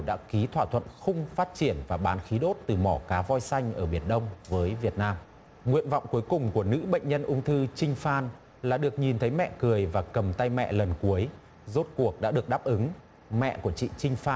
đã ký thỏa thuận khung phát triển và bán khí đốt từ mỏ cá voi xanh ở biển đông với việt nam nguyện vọng cuối cùng của nữ bệnh nhân ung thư trinh phan là được nhìn thấy mẹ cười và cầm tay mẹ lần cuối rốt cuộc đã được đáp ứng mẹ của chị trinh phan